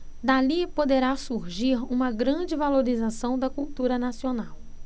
dali poderá surgir uma grande valorização da cultura nacional